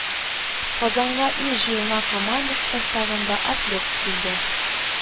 Казанга ил җыелма командасы составында атлет килде